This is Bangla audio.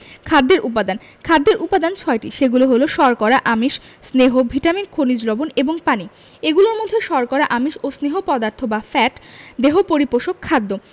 খাদ্যের উপাদান খাদ্যের উপাদান ছয়টি সেগুলো হলো শর্করা আমিষ স্নেহ ভিটামিন খনিজ লবন এবং পানি এগুলোর মধ্যে শর্করা আমিষ ও স্নেহ পদার্থ বা ফ্যাট দেহ পরিপোষক খাদ্য